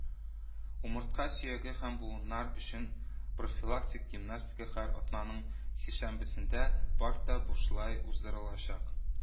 Умыртка сөяге һәм буыннар өчен профилактик гимнастика һәр атнаның сишәмбесендә паркта бушлай уздырылачак